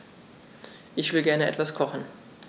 Ich will gerne etwas kochen.